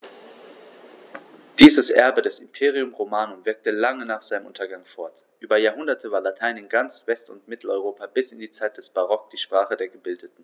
Dieses Erbe des Imperium Romanum wirkte lange nach seinem Untergang fort: Über Jahrhunderte war Latein in ganz West- und Mitteleuropa bis in die Zeit des Barock die Sprache der Gebildeten.